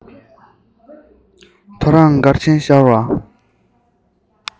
ཐོ རངས སྐར ཆེན ཤར བ